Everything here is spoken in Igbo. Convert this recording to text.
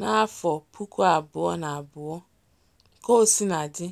Na 2002, kaosinadị,